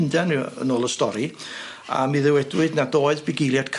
Llundain yw- yn ôl y stori a mi ddywedwyd nad oedd bugeiliad